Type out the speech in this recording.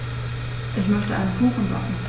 Ich möchte einen Kuchen backen.